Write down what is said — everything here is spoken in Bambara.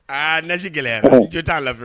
Aa nasi gɛlɛya la n ko t'a la pe